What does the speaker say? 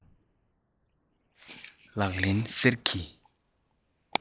ལག ལེན གསེར གྱི